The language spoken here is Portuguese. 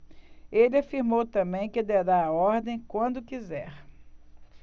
ele afirmou também que dará a ordem quando quiser